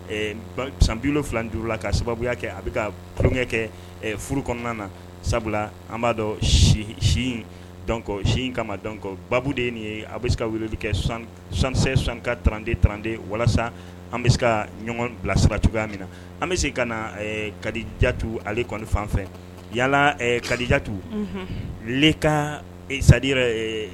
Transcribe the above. San wolonwula duurula ka sababuya kɛ a bɛ ka barokɛ kɛ furu kɔnɔna na sabula an b'a dɔnkɔ sin kama dɔn kɔ baa de nin ye a bɛ se ka wuli kɛ sanka tranden trante walasa an bɛ se ka ɲɔgɔn bilasira cogoya min na an bɛ se ka na kadijatu ale kɔnidi fanfɛ yala kadijatu le ka sadi yɛrɛ